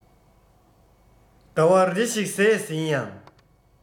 ཟླ བ རེ ཞིག གཟས ཟིན ཡང